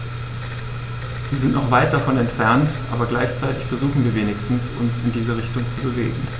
Wir sind noch weit davon entfernt, aber gleichzeitig versuchen wir wenigstens, uns in diese Richtung zu bewegen.